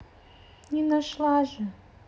не нашла же